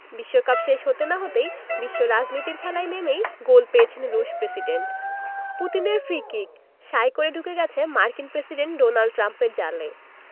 বিশ্বকাপ শেষে হতে না হতেই বিশ্ব রাজনীতির খেলায় নেমেই গোল পেয়েছেন রুশ প্রেসিডেন্ট পুতিনের ফ্রি কিক শাঁই করে ঢুকে গেছে মার্কিন প্রেসিডেন্ট ডোনাল্ড ট্রাম্পের জালে